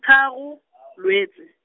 tharo, Lwetse.